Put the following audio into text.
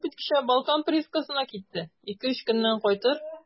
Ул бит кичә «Балкан» приискасына китте, ике-өч көннән кайтыр.